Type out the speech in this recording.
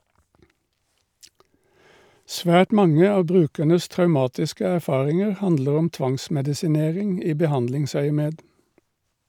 Svært mange av brukernes traumatiske erfaringer handler om tvangsmedisinering i behandlingsøyemed.